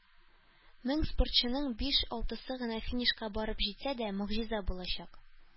Мең спортчының биш-алтысы гына финишка барып җитсә дә, могҗиза булачак.